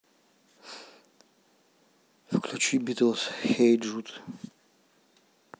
включи битлз хей джуд